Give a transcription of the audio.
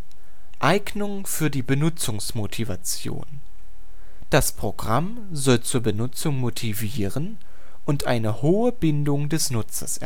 Eignung für die Benutzungsmotivation – Das Programm soll zur Benutzung motivieren und eine hohe Bindung des Nutzers